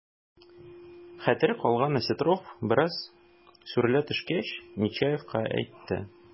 Хәтере калган Осетров, бераз сүрелә төшкәч, Нечаевка әйтте: